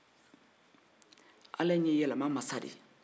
ala in ye yɛlɛma masa de ye